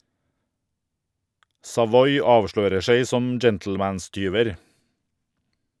Savoy avslører seg som gentlemanstyver.